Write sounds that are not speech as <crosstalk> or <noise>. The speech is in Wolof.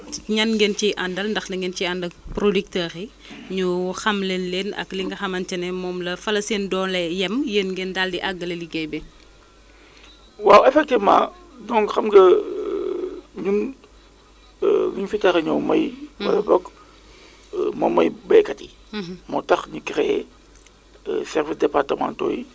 donc <hesitation> ñu ngi ciy def daal ay ay ay jàngat pour xool vraiment bon yan ban solution la ñu mun a apporter à ça quoi <breath> mais daal di wax ni wax dëgg yàlla daal atum ren jii nawet bi moo gën fuuf bi ñu amoon daaw moo gën fuuf li ñu amoon ci fukki at yii paase et par rapport donc à la normale aussi fi mu nekk nii la situation elle est excedentaire <breath> ci gàttal en terme donc de statistique ñuy wax ne nawetu ren bi ñu ngi ko commencé le 27